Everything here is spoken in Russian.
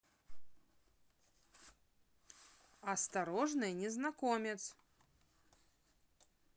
осторожный незнакомец